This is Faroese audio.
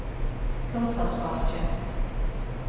kósaskákið